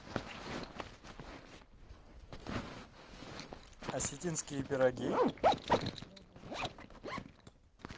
осетинские пироги